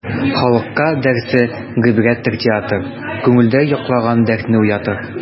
Халыкка дәрсе гыйбрәттер театр, күңелдә йоклаган дәртне уятыр.